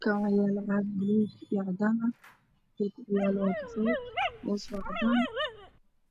KAA OO YAALO MEEL BULUUGA IYO CADANA